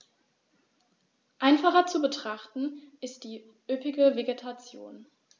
Einfacher zu betrachten ist die üppige Vegetation.